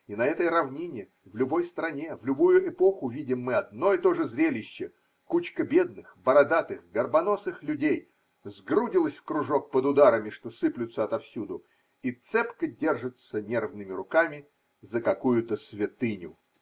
и на этой равнине, в любой стране, в любую эпоху, видим мы одно и то же зрелище: кучка бедных, бородатых, горбоносых людей сгрудилась в кружок под ударами, что сыплются отовсюду, и цепко держится нервными руками за какую-то святыню.